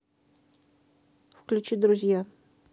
включи друзья